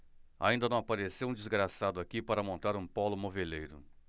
ainda não apareceu um desgraçado aqui para montar um pólo moveleiro